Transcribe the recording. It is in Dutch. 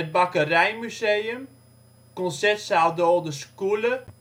Bakkerijmuseum Concertzaal D'Olde Skoele